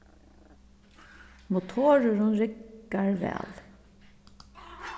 motorurin riggar væl